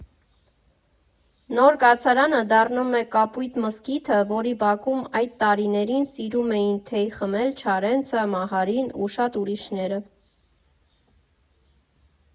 Նոր կացարանը դառնում է Կապույտ մզկիթը, որի բակում այդ տարիներին սիրում էին թեյ խմել Չարենցը, Մահարին ու շատ ուրիշները։